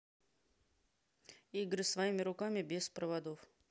игры своими руками без проводов